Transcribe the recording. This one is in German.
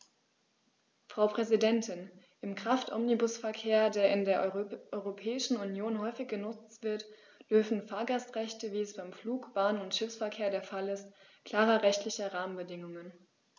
Frau Präsidentin, im Kraftomnibusverkehr, der in der Europäischen Union häufig genutzt wird, bedürfen Fahrgastrechte, wie es beim Flug-, Bahn- und Schiffsverkehr der Fall ist, klarer rechtlicher Rahmenbedingungen.